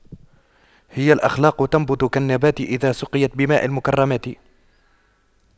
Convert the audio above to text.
هي الأخلاق تنبت كالنبات إذا سقيت بماء المكرمات